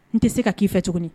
N tɛ se ka k'i fɛ tuguni